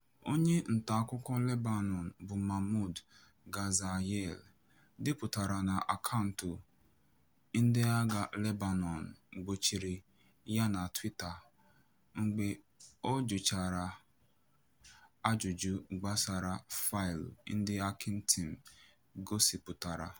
Onye ntaakụkọ Lebanon bụ Mahmoud Ghazayel depụtara na akaụntụ Ndịagha Lebanon gbochiri ya na Twitter mgbe ọ jụchara ajụjụ gbasara faịlụ ndị Hacking Team gosịpụtara.